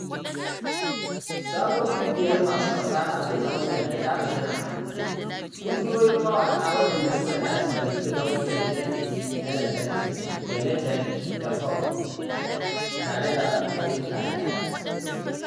Sabuwar ƙungiyar masu fasaha mai zaman kanta ta bayyana a Maroko, ƙungiyoyin mawaƙa waɗanda suka tasirantu da nau'ikan kiɗe-kiɗe na lantarki da metal da punk tare da baituka na Darija.